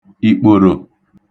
ikporo